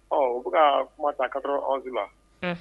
Ɔ u bɛka kuma ta kato an si la